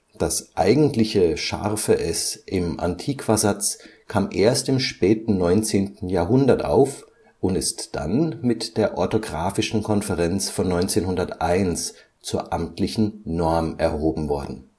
Das eigentliche ß im Antiquasatz kam erst im späten 19. Jahrhundert auf und ist dann mit der Orthographischen Konferenz von 1901 zur amtlichen Norm erhoben worden